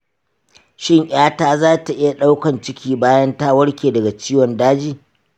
shin ƴata zata iya ɗaukan ciki bayan ta warke daga ciwon daji?